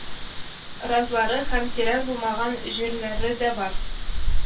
Разлары һәм тирән булмаган җирләре дә бар